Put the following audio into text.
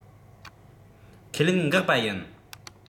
ཁས ལེན འགག པ ཡིན